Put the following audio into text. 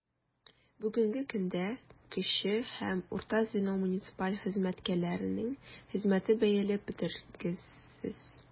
Бүгенге көндә кече һәм урта звено муниципаль хезмәткәрләренең хезмәте бәяләп бетергесез.